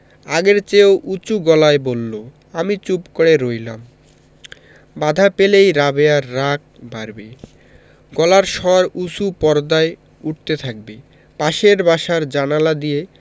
আগের চেয়েও উচু গলায় বললো আমি চুপ করে রইলাম বাধা পেলেই রাবেয়ার রাগ বাড়বে গলার স্বর উচু পর্দায় উঠতে থাকবে পাশের বাসার জানালা দিয়ে